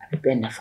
I bɛɛ nafa